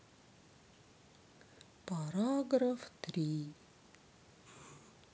параграф три